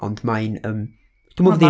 ond mae'n, yym, dwi meddwl fydd hi-